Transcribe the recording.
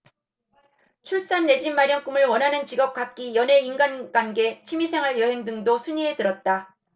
출산 내 집 마련 꿈 원하는 직업 갖기 연애 인간관계 취미생활 여행 등도 순위에 들었다